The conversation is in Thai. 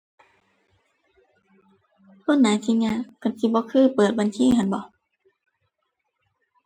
บ่น่าสิยาก ก็สิบ่เคยเปิดบัญชีหั้นบ่